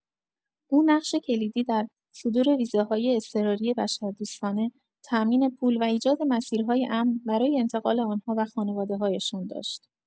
او نقش کلیدی در صدور ویزاهای اضطراری بشردوستانه، تامین پول و ایجاد مسیرهای امن برای انتقال آنها و خانواده‌هایشان داشت.